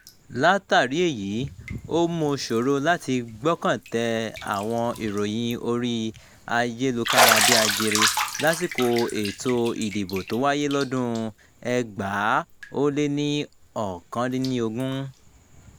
Látàrí èyí, ó mú u ṣòro láti gbọ́kàn tẹ àwọn ìròyìn orí ayélukára-bí-ajere lásìkò ètò ìdìbò tó wáyé lọ́dún-un 2019.